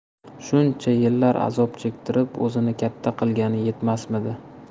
shuncha yillar azob chektitib o'zini katta qilgani yetmasmidi